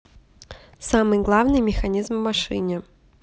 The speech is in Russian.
самый главный механизм в машине